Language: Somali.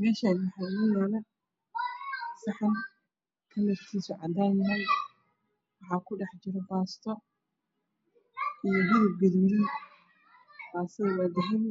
Meshaan waxaa yaalo saxan kalar kiisu cadaan yahay waxaa ku dhex jiro baasto iyo hilib guduudan baastada waa dahabi